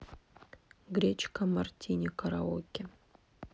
гречка мартини караоке